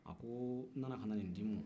a ko n nana nin d'i ma